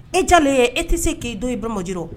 E jalen ye e tɛ se k'i don i ba maji rɔ